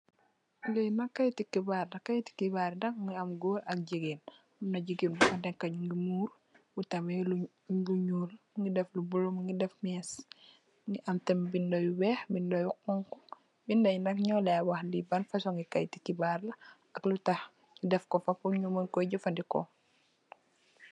Lii nak keiti khibarr la, keiti khibarr la mungy am gorre ak gigain, amna gigain bufa neka njungy murr botam bii lu, lu njull, mungy def lu bleu mungy deff meeche, mungy am tamit binda yu wekh, binda yu honhu, binda yii nak njur lai wakh lii ban fasoni keiti khibarr la ak lutakh nju def kor fa pur nju munkor jeufandehkor.